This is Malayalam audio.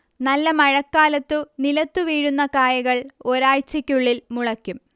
നല്ല മഴക്കാലത്തു നിലത്തുവീഴുന്ന കായ്കൾ ഒരാഴ്ചയ്ക്കുള്ളിൽ മുളയ്ക്കും